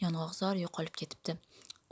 yong'oqzor yo'qolib ketibdi